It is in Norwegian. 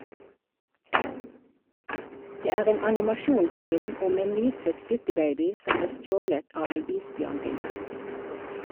Det er en animasjonsfilm om en nyfødt guttebaby som blir stjålet av ei isbjørnbinne.